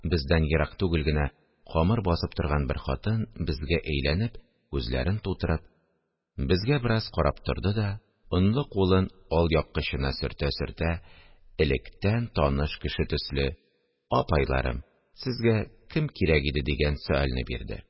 Бездән ерак түгел генә камыр басып торган бер хатын безгә әйләнеп, күзләрен тутырып безгә бераз карап торды да, онлы кулын алъяпкычына сөртә-сөртә, электән таныш кеше төсле: – Апайларым, сезгә кем кирәк иде? – дигән сөальне бирде